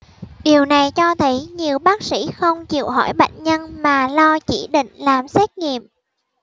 điều này cho thấy nhiều bác sĩ không chịu hỏi bệnh nhân mà lo chỉ định làm xét nghiệm